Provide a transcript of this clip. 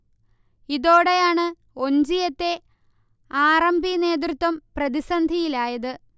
ഇതോടെയാണ് ഒഞ്ചിയത്തെ R. M. P. നേതൃത്വം പ്രതിസന്ധിയിലായത്